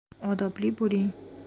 odobli bo'ling